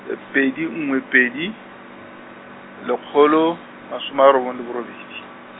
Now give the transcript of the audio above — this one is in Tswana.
pedi nngwe pedi, lekgolo, masome a robong le borobedi.